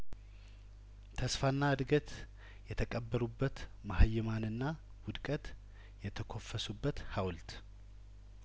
ተስፋና እድገት የተቀበሩ በት መሀይማንና ውድቀት የተኮፈሱበት ሀውልት